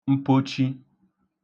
mpochi